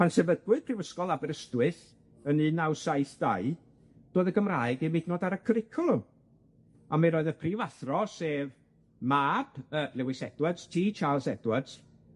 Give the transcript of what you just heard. Pan sefydlwyd Prifysgol Aberystwyth yn un naw saith dau, doedd y Gymraeg 'im 'yd yn o'd ar y cwricwlwm, a mi roedd y prifathro, sef mab yy Lewis Edwards, Tee Charles Edwards,